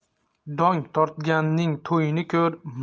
dong tortganning to'yini ko'r